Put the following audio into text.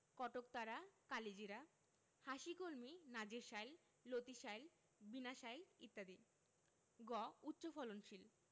কটকতারা কালিজিরা হাসিকলমি নাজির শাইল লতিশাইল বিনাশাইল ইত্যাদি গ উচ্চফলনশীল